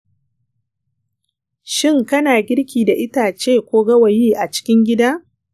shin kana girki da itace ko gawayi a cikin gida?